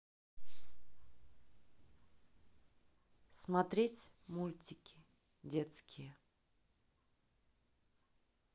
смотреть мультики детские